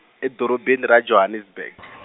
edorobeni ra Johannesburg.